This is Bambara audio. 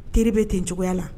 Teri bɛ ten cogoya la